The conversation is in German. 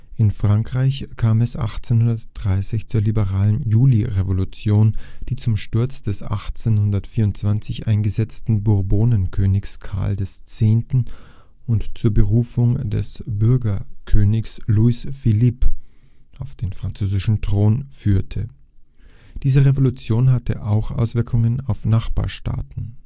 In Frankreich kam es 1830 zur liberalen Julirevolution, die zum Sturz des 1824 eingesetzten Bourbonenkönigs Karl X. und zur Berufung des Bürgerkönigs Louis Philippe auf den französischen Thron führte. Diese Revolution hatte auch Auswirkungen auf Nachbarstaaten